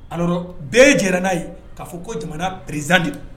A bɛɛ ye jɛra n'a ye'a fɔ ko jamana prez de